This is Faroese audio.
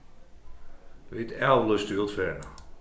vit avlýstu útferðina